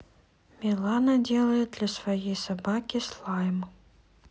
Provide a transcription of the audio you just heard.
милана делает для своей собаки слайм